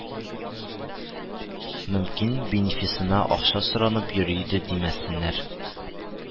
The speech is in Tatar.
Мөмкин, бенефисына акча соранып йөри иде димәсеннәр